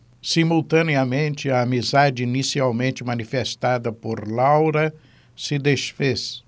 simultaneamente a amizade inicialmente manifestada por laura se disfez